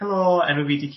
helo enw fi 'di...